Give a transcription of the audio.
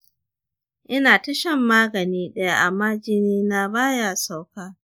ina ta shan magani ɗaya amma jini na baya sauka.